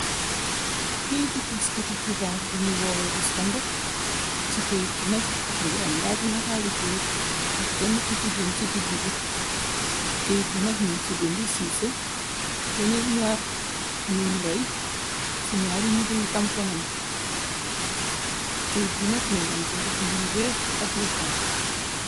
Keyiti taskati xibaar biñuy woowee de standard, ci keyit gi nak mi ngi am ñaari nataali goor ak kenne ku jigeen ci digg bi, ci keyit gi nak nuñ ci binde siisé yenee ñaar ñuñu rey ci ñaari moto yu tamponante, keyit gi nak mu ngi am bindi, binde yu weex ak yu xonxu.